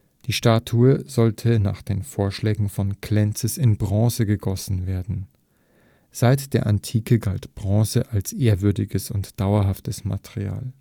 Die Statue sollte nach den Vorschlägen v. Klenzes in Bronze gegossen werden. Seit der Antike galt Bronze als ehrwürdiges und dauerhaftes Material